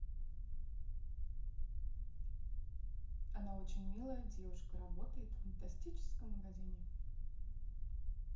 она очень милая девушка работает в фантастическом магазине